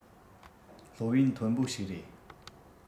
སློབ ཡོན མཐོན པོ ཞིག རེད